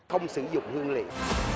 không sử dụng hương liệu